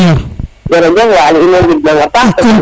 jerejef Waly in mbay ngidmanga paax